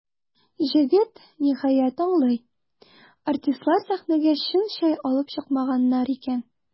Җегет, ниһаять, аңлый: артистлар сәхнәгә чын чәй алып чыкмаганнар икән.